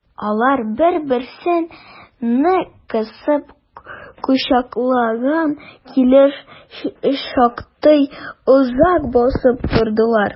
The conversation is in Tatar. Алар бер-берсен нык кысып кочаклаган килеш шактый озак басып тордылар.